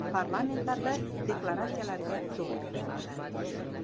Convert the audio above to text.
parlamentlarda deklaratsiyalarga zo'r berishmoqda